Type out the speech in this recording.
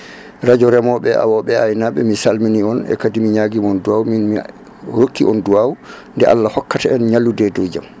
radio remoɓe e awoɓe e aynaɓe mi salmini on e kadi mi ñaguima on duwaw mi rokki on duwaw nde Allah hokkata en ñallude e dow jaam